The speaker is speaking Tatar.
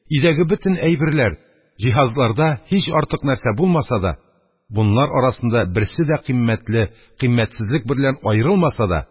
Өйдәге бөтен әйберләр, җиһазларда һич артык нәрсә булмаса да, бунлар арасында берсе дә кыйммәтле, кыйммәтсезлек берлән аерылмаса да,